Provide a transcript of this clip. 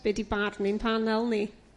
Be' 'di barn ein panel ni?